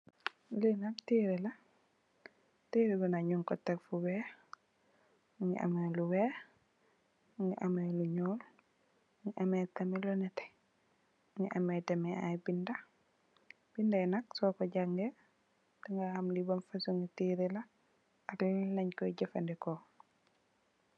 Lii nak tehreh la, tehreh bii nak njung kor tek fu wekh, mungy ameh lu wekh, mungy ameh lu njull, mungy ameh tamit lu nehteh, mungy ameh tamit aiiy binda, binda yii nak sor kor jangeh danga ham lii ban fasoni tehreh la ak lan langh koi jeufandehkor.